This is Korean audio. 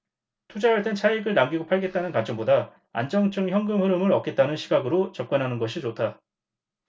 투자할 땐 차익을 남기고 팔겠다는 관점보다 안정적인 현금흐름을 얻겠다는 시각으로 접근하는 것이 좋다